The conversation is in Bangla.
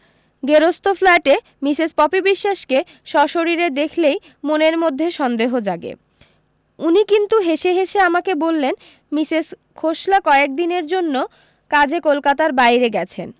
গেরস্ত ফ্ল্যাটে মিসেস পপি বিশ্বাসকে সশরীরে দেখলেই মনের মধ্যে সন্দেহ জাগে উনি কিন্তু হেসে হেসে আমাকে বললেন মিসেস খোসলা কয়েকদিনের জন্য কাজে কলকাতার বাইরে গেছেন